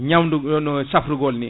ñawdugo safrugol ni